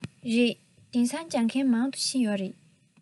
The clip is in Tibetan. རེད དེང སང སྦྱོང མཁན མང དུ ཕྱིན ཡོད རེད